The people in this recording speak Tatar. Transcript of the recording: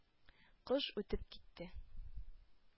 Кыш үтеп китте.